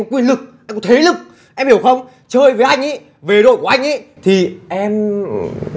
quyền lực anh có thế lực em hiểu không chơi với anh ý với đội của anh ý thì em